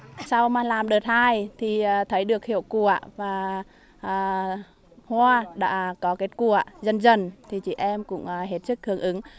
sao mà làm đợt hai thì thấy được hiệu quả và à hoa đã có kết quả dần dần thì chị em cũng hết sức hưởng ứng